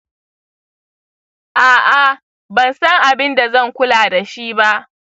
a’a, ban san abin da zan kula da shi ba.